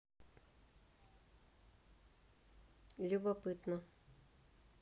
любопытно